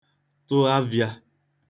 tụ avịā